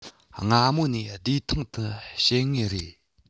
སྔ མོ ནས བདེ ཐང དུ བྱེད ངེས རེད